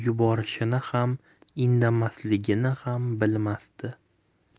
yuborishini ham indamasligini ham bilmasdi